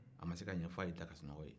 a ma se ka ɲɛ f'a y'a da ka sunɔgɔ yen